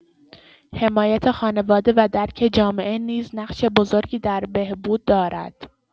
حمایت خانواده و درک جامعه نیز نقش بزرگی در بهبود دارد.